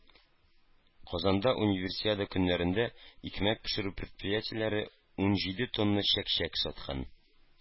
Казанда Универсиада көннәрендә икмәк пешерү предприятиеләре ун җиде тонна чәк-чәк саткан.